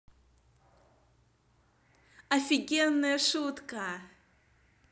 офигенная шутка